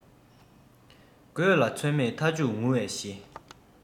དགོད ལ ཚོད མེད མཐའ མཇུག ངུ བའི གཞི